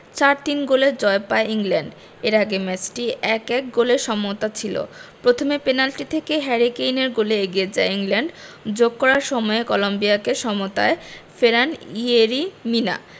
৪ ৩ গোলে জয় পায় ইংল্যান্ড এর আগে ম্যাচটি ১ ১ গোলে সমতা ছিল প্রথমে পেনাল্টি থেকে হ্যারি কেইনের গোলে এগিয়ে যায় ইংল্যান্ড যোগ করা সময়ে কলম্বিয়াকে সমতায় ফেরান ইয়েরি মিনা